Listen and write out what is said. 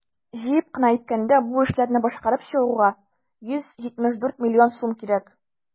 Җыеп кына әйткәндә, бу эшләрне башкарып чыгуга 174 млн сум кирәк.